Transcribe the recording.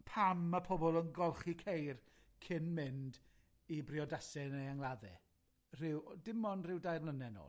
pam ma' pobol yn golchi ceir cyn mynd i briodase neu angladde, rhyw o- dim ond ryw dair mlyne nôl.